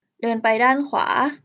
เดินไปด้านขวา